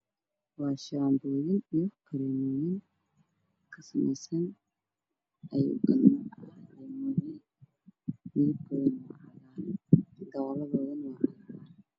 Waa shaambooyin ku jiraan kartoon midabkoodu waa midow ga midabkiisuna waa caddaan